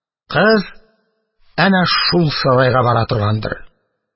Кыз әнә шул сарайга бара торгандыр…